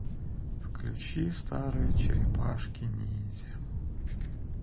включи старые черепашки ниндзя